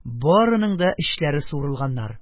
Барының да эчләре суырылганнар.